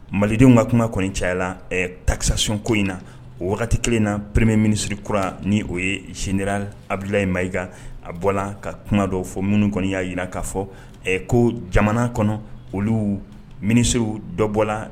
Malidenw ka kuma kɔni cayayara takisasionko in na o wagati kelen na peremee minisiriri kura ni o ye sinera abubila in mayi kan a bɔra la ka kuma dɔ fɔ minnu kɔniya jira k'a fɔ ɛ ko jamana kɔnɔ olu miniw dɔbɔ la